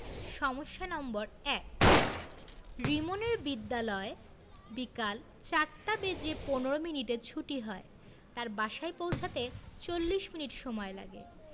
সমস্যা নম্বর ১ রিমনের বিদ্যালয় বিকাল ৪ টা বেজে ১৫ মিনিটে ছুটি হয় তার বাসায় পৌছাতে ৪০ মিনিট সময়লাগে